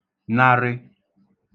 -narị